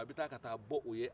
a bɛ taa ka taa b'o ye